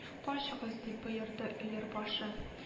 — качыгыз! — дип боерды өербашы